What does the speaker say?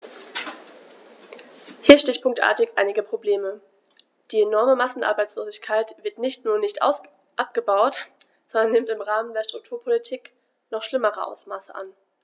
Hier stichpunktartig einige Probleme: Die enorme Massenarbeitslosigkeit wird nicht nur nicht abgebaut, sondern nimmt im Rahmen der Strukturpolitik noch schlimmere Ausmaße an.